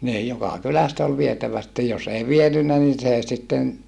niin joka kylästä oli vietävä sitten jos ei vienyt niin se sitten